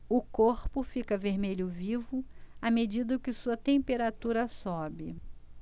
o corpo fica vermelho vivo à medida que sua temperatura sobe